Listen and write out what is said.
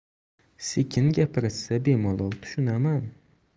sekin gapirishsa bemalol tushunaman